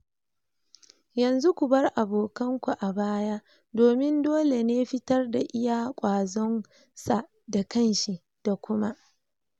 Yanzu, ku bar abokanku a baya domin dole ne fitar da iya kwazon sa da kanshi, da kuma. "